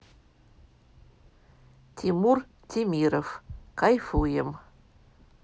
тимур темиров кайфуем